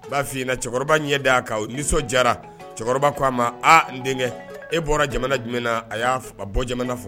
B'a f'i ɲɛna cɛkɔrɔba ɲɛ da a kan o niisɔndiyara cɛkɔrɔba ko a ma aa n deŋɛ e bɔra jamana jumɛn naa a y'a f a bɔ jamana fɔ